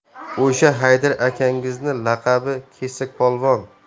o'sha haydar akangizning laqabi kesakpolvon